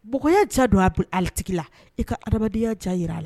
Mɔgɔya ja don a tigi la i ka adamadenya ja yira a la.